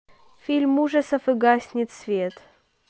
фильм ужасов и гаснет свет